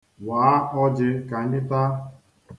Waa oji ka anyi taa.